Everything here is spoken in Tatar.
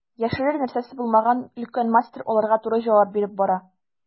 Яшерер нәрсәсе булмаган өлкән мастер аларга туры җавап биреп бара.